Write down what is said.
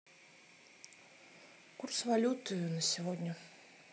курс валюты на сегодня